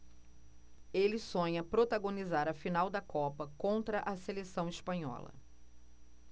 ele sonha protagonizar a final da copa contra a seleção espanhola